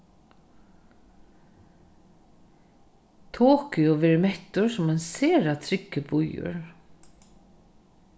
tokyo verður mettur sum ein sera tryggur býur